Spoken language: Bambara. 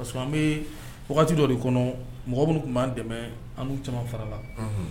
parce que' _an bɛ wagati dɔ de kɔnɔ mɔgɔ minnu tun b'an dɛmɛ ani caaman farala.